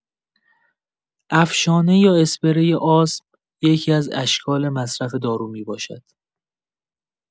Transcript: افشانه یا اسپری آسم یکی‌از اشکال مصرف دارو می‌باشد.